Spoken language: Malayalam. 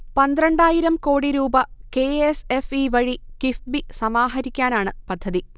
പന്ത്രണ്ടായിരം കോടിരൂപ കെ. എസ്. എഫ്. ഇ വഴി കിഫ്ബി സമാഹരിക്കാനാണ് പദ്ധതി